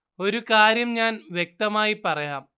ഒരു കാര്യം ഞാൻ വ്യക്തമായി പറയാം